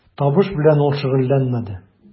Табыш белән ул шөгыльләнмәде.